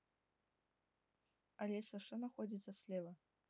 алиса что находится слева